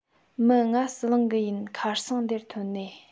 མིན ང ཟི ལིང གི ཡིན ཁ རྩང འདེའ ཐོན ནིས